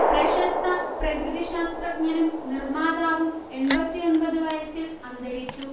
പ്രശസ്ത പ്രകൃതി ശാസ്ത്രജ്ഞനും നിർമാതാവും എണ്പത്തിയൊന്പത് വയസ്സിൽ അന്തരിച്ചു